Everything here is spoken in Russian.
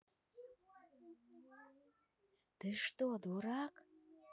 ты что дурак